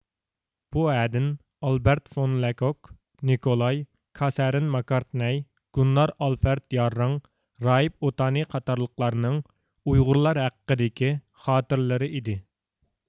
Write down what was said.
بۇ ھەدىن ئالبەرت فون لەكوك نىكولاي كاسەرىن ماكارتنەي گۇننار ئالفەرد ياررىڭ راھىب ئوتانى قاتارلىقلارنىڭ ئۇيغۇرلار ھەققىدىكى خاتىرىلىرى ئىدى